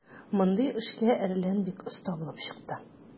Мондый эшкә "Әрлән" бик оста булып чыкты.